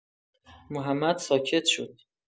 محمد ساکت شد.